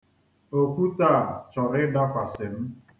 Okwute a chọrọ ịdakwasị m.